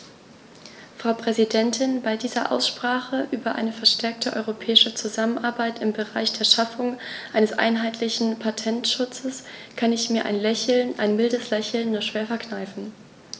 Frau Präsidentin, bei dieser Aussprache über eine verstärkte europäische Zusammenarbeit im Bereich der Schaffung eines einheitlichen Patentschutzes kann ich mir ein Lächeln - ein mildes Lächeln - nur schwer verkneifen.